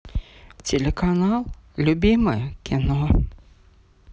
телеканал любимое кино